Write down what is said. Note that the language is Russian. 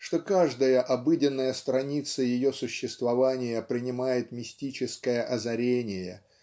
что каждая обыденная страница ее существования принимает мистическое озарение